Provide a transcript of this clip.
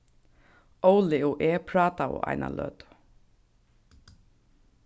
óli og eg prátaðu eina løtu